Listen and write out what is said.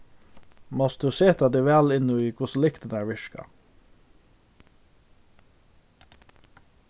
mást tú seta teg væl inn í hvussu lyktirnar virka